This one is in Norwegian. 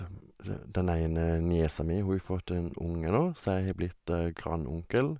de Den ene niesa mi, hu har fått en unge nå, så jeg har blitt grandonkel.